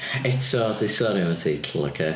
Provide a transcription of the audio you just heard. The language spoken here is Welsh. Eto dwi'n sori am y teitl ocê.